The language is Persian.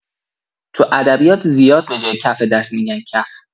تو ادبیات زیاد به‌جای کف دست می‌گن کف.